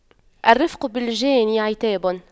الرفق بالجاني عتاب